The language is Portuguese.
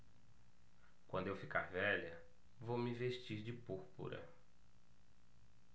quando eu ficar velha vou me vestir de púrpura